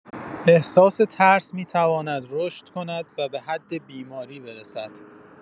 احساس ترس می‌تواند رشد کند و به حد بیماری برسد.